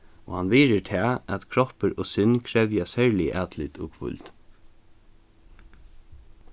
og hann virðir tað at kroppur og sinn krevja serlig atlit og hvíld